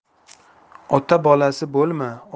ota bolasi bo'lma